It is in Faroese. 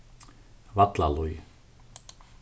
vallalíð